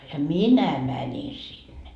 ja minä menin sinne